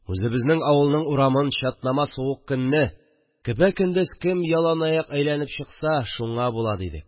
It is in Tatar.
Үзебезнең авылның урамын чатнама суык көнне көпә-көндез кем яланаяк әйләнеп чыкса, шуңа була дидек